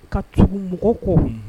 Ka tugu mɔgɔ ko